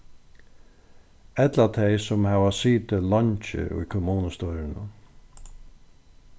ella tey sum hava sitið leingi í kommunustýrinum